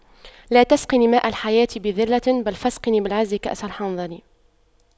لا تسقني ماء الحياة بذلة بل فاسقني بالعز كأس الحنظل